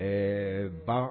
Ɛɛ ban